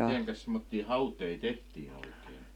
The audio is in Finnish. mitenkäs semmoisia hauteita tehtiin oikein